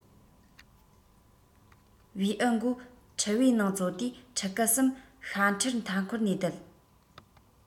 བེའུ མགོ ཕྲུ བའི ནང བཙོ དུས ཕྲུ གུ གསུམ ཤ ཕྲུར མཐའ སྐོར ནས བསྡད